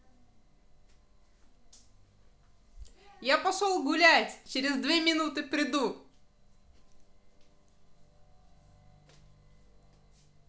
я пошел гулять через две минуты приду